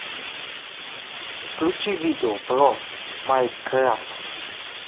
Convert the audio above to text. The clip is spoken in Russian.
включи видео про майнкрафт